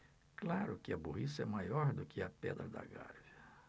claro que a burrice é maior do que a pedra da gávea